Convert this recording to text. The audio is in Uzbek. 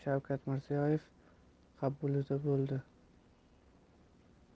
shavkat mirziyoyev qabulida bo'ldi